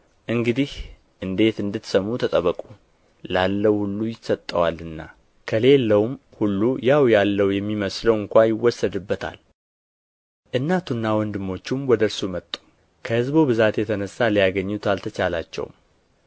እንግዲህ እንዴት እንድትሰሙ ተጠበቁ ላለው ሁሉ ይሰጠዋልና ከሌለውም ሁሉ ያው ያለው የሚመስለው እንኳ ይወሰድበታል እናቱና ወንድሞቹም ወደ እርሱ መጡ ከሕዝቡም ብዛት የተነሣ ሊያገኙት አልተቻላቸውም